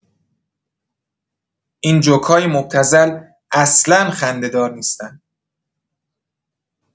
این جوکای مبتذل اصلا خنده‌دار نیستن!